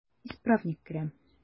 Исправник керә.